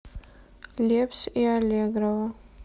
лепс и аллегрова